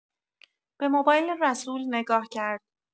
به موبایل رسول نگاه کرد.